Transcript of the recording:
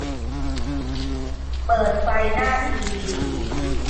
เปิดไฟหน้าทีวี